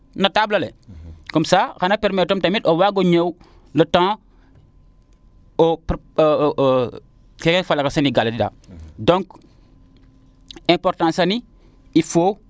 na table ale comme ca xana permettre ong le temps o kene fa lakasa ni gar donc importance ani il faut